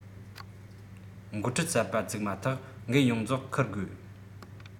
འགོ ཁྲིད གསར པ བཙུགས མ ཐག འགན ཡོངས རྫོགས འཁུར དགོས